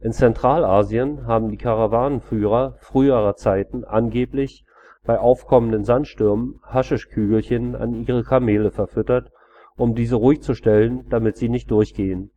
Zentralasien haben die Karawanenführer früherer Zeiten angeblich bei aufkommenden Sandstürmen Haschischkügelchen an ihre Kamele verfüttert, um diese ruhigzustellen, damit sie nicht durchgehen